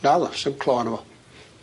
Naddo 'sim clo arno fo.